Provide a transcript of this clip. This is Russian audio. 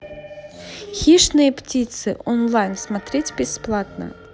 хищные птицы онлайн смотреть бесплатно